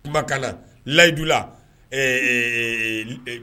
Kumbakan na lahidu la ɛɛ l e